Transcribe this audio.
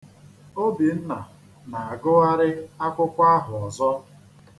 Obinna na-agụgharị akwụkwọ ahụ ọzọ.